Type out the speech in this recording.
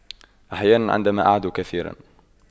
أحيانا عندما أعدو كثيرا